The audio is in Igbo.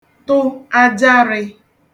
tụ ajarị̄